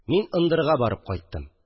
Мин ындырга барып кайттым